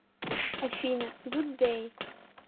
афина good day